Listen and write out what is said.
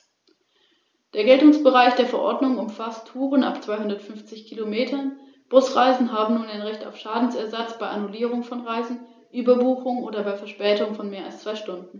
Angesichts der Herausforderung der Globalisierung und der Osterweiterung bedarf Europa meines Erachtens in den nächsten Jahren für die Programmplanung und die Wiederankurbelung seiner Wirtschaft mehr denn je angemessener und exakter Vorgaben.